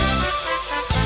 như